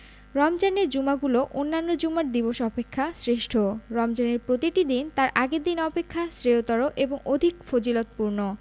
রমজানের জুমাগুলো অন্যান্য জুমার দিবস অপেক্ষা শ্রেষ্ঠ রমজানের প্রতিটি দিন তার আগের দিন অপেক্ষা শ্রেয়তর এবং অধিক ফজিলতপূর্ণ